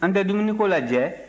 an tɛ dumuniko lajɛ